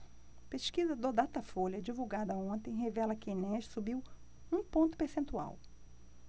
pesquisa do datafolha divulgada ontem revela que enéas subiu um ponto percentual